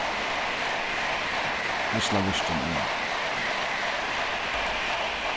geislavirkin evni